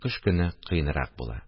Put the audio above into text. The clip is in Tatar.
Кыш көне кыенрак була